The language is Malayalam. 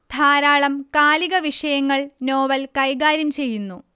ധാരാളം കാലിക വിഷയങ്ങൾ നോവൽ കൈകാര്യം ചെയ്യുന്നു